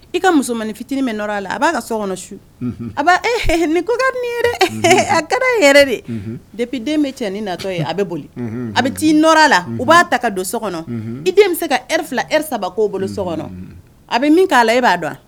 I ka musoman fitinin min nɔɔrɔ a la a b'a ka so kɔnɔ su a b' e ni ko ka ni a kɛra yɛrɛ de depi den bɛ cɛ ni natɔ ye a bɛ boli a bɛ taaiɔrɔ a la u b'a ta ka don so kɔnɔ i den bɛ se ka eri fila sababa k' bolo so kɔnɔ a bɛ min k'a la e b'a dɔn